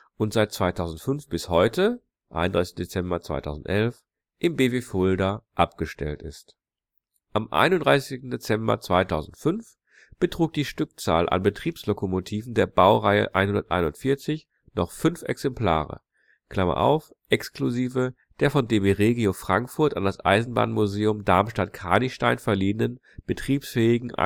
und seit 2005 bis heute (31. Dezember 2011) im Bw Fulda abgestellt ist. Am 31. Dezember 2005 betrug die Stückzahl an Betriebslokomotiven der Baureihe 141 noch fünf Exemplare (exklusive der von DB Regio Frankfurt an das Eisenbahnmuseum Darmstadt-Kranichstein verliehenen betriebsfähigen